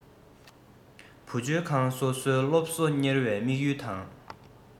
བུ བཅོལ ཁང སོ སོས སློབ གསོ གཉེར བའི དམིགས ཡུལ དང